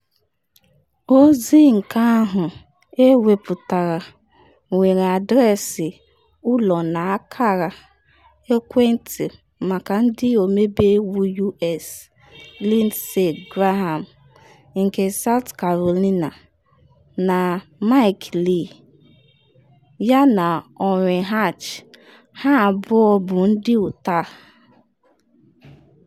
Ozi nke ahụ ewepụtara nwere adreesị ụlọ na akara ekwentị maka Ndị Ọmebe Iwu U.S Lindsey Graham nke South Carolina, na Mike Lee yana Orrin Hatch, ha abụọ bụ ndị Utah.